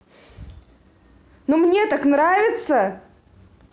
но мне так нравится